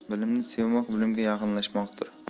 bilimni sevmoq bilimga yaqinlashmoqdir